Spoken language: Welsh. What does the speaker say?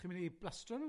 Chi'n mynd i blastro nw?